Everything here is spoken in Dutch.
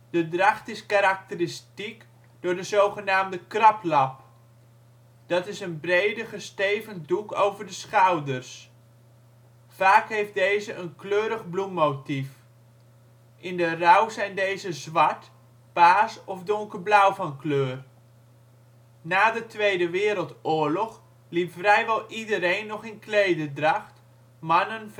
De dracht is karakteristiek door de zogenaamde kraplap. Dat is een brede gesteven doek over de schouders. Vaak heeft deze een kleurig bloemmotief. In de rouw zijn deze zwart, paars of donkerblauw van kleur. Na de Tweede Wereldoorlog liep vrijwel iedereen nog in klederdracht (mannen